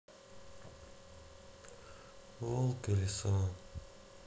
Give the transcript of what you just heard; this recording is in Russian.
волк и лиса